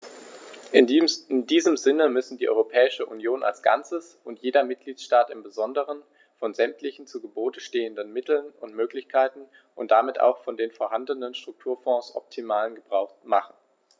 In diesem Sinne müssen die Europäische Union als Ganzes und jeder Mitgliedstaat im Besonderen von sämtlichen zu Gebote stehenden Mitteln und Möglichkeiten und damit auch von den vorhandenen Strukturfonds optimalen Gebrauch machen.